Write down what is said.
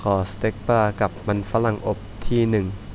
ขอสเต็กปลากับมันฝรั่งอบที่หนึ่ง